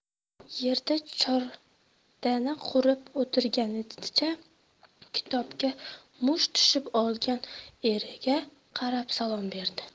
yerda chordana qurib o'tirganicha kitobga muk tushib olgan eriga qarab salom berdi